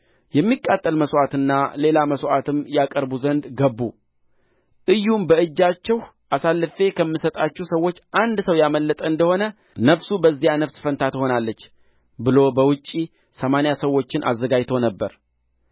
የሚቃጠል መሥዋዕትና ሌላ መሥዋዕትም ያቀረቡ ዘንድ ገቡ ኢዩም በእጃችሁ አሳልፌ ከምሰጣችሁ ሰዎች አንድ ሰው ያመለጠ እንደ ሆነ ነፍሱ በዚያ ነፍስ ፋንታ ትሆናለች ብሎ በውጪ ሰማንያ ሰዎችን አዘጋጅቶ ነበር